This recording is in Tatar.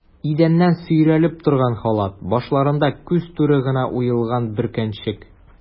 Идәннән сөйрәлеп торган халат, башларында күз туры гына уелган бөркәнчек.